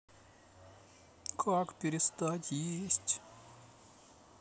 как перестать есть